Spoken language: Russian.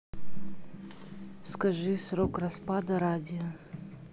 скажи срок распада радия